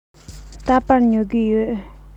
རྟག པར ཉོ གི ཡོད